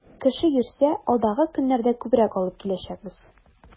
Кеше йөрсә, алдагы көннәрдә күбрәк алып киләчәкбез.